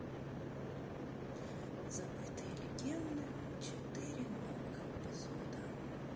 забытые легенды четыре новых эпизода